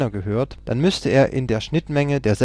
gehört, dann müsste er in der Schnittmenge der